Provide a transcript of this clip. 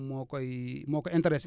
moo koy moo ko intéresser